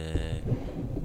Ɛɛ